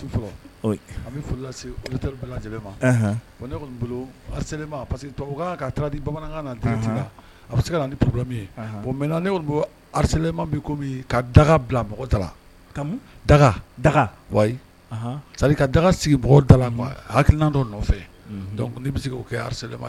Di bamanan a se poro bon mɛ ne donle ka daga bila mɔgɔ daga daga wa sa ka daga sigi mɔgɔ da ha dɔ nɔfɛ dɔnku bɛ se kɛ ara